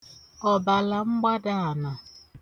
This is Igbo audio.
ọ̀bàlàmgbadààna